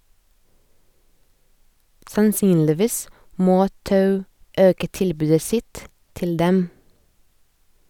Sannsynligvis må Tou øke tilbudet sitt til dem.